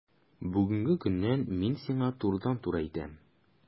Бүгенге көннән мин сиңа турыдан-туры әйтәм: